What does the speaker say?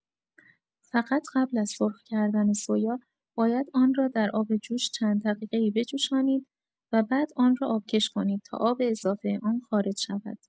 فقط قبل از سرخ کردن سویا باید آن را در آب جوش چند دقیقه‌ای بجوشانید و بعد آن را آبکش کنید تا آب اضافه آن خارج شود.